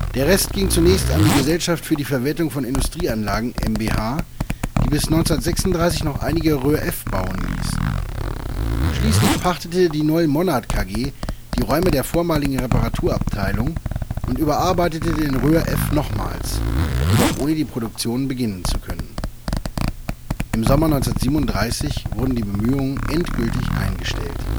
Der Rest ging zunächst an die Gesellschaft für die Verwertung von Industrieanlagen mbH, die bis 1936 noch einige Röhr F bauen ließ. Schließlich pachtete die Noll-Monnard KG die Räume der vormaligen Reparaturabteilung und überarbeitete den Röhr F nochmals, jedoch ohne die Produktion beginnen zu können. Im Sommer 1937 wurden die Bemühungen endgültig eingestellt